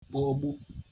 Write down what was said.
kpọgbu